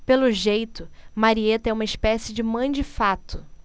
pelo jeito marieta é uma espécie de mãe de fato